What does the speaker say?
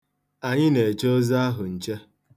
Anyị na-eche oze ahụ nche.